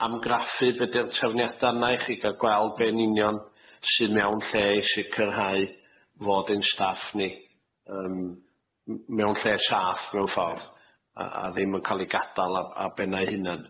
am graffu be' di'r tefniada yna i chi ga'l gweld be' yn union sy mewn lle i sicrhau fod ein staff ni yym m- mewn lle saff mewn ffordd a- a ddim yn ca'l i gadal a- a ben e'i hunen.